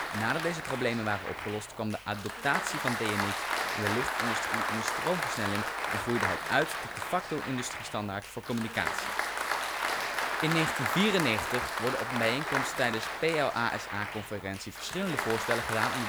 Nadat deze problemen waren opgelost kwam de adoptatie van DMX in de lichtindustrie in een stroomversnelling en groeide het uit tot de de facto industriestandaard voor communicatie. In 1994 worden op een bijeenkomst tijdens een PLASA conferentie verschillende voorstellen gedaan